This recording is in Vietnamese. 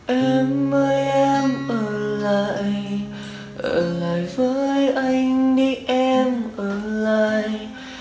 em ơi em ở lại ở lại với anh đi em ở lại